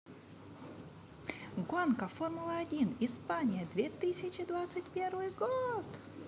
гонка формула один испания две тысячи двадцать первый год